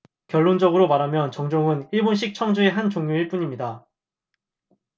결론적으로 말하면 정종은 일본식 청주의 한 종류일 뿐입니다